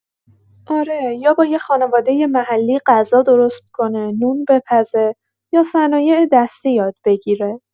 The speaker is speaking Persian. آره، یا با یه خانوادۀ محلی غذا درست کنه، نون بپزه یا صنایع‌دستی یاد بگیره.